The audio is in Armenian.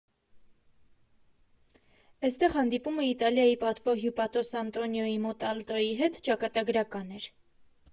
Էստեղ հանդիպումը Իտալիայի պատվո հյուպատոս Անտոնիոյի Մոտալտոյի հետ ճակատագրական էր։